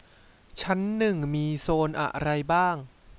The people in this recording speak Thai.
ชั้นหนึ่งมีโซนอะไรบ้าง